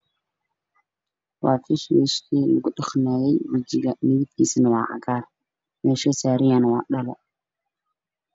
Waa facewasgkii lagu dhaqanayo wejiga midabkiisana waa cagaar meeshu wasaaran yahayna waa dhalo